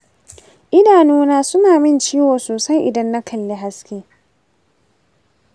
idanuna suna min ciwo sosai idan na kalli haske.